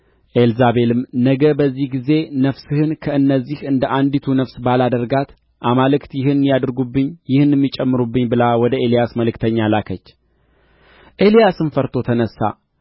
ኤልዛቤልም ነገ በዚህ ጊዜ ነፍስህን ከእነዚህ እንደ አንዲቱ ነፍስ ባላደርጋት አማልክት ይህን ያድርጉብኝ ይህንም ይጨምሩብኝ ብላ ወደ ኤልያስ መልእክተኛ ላከች ኤልያስም ፈርቶ ተነሣ